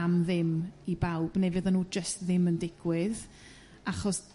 am ddim i bawb, ne' fydden nhw jyst ddim yn digwydd achos